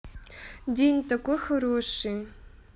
день такой хороший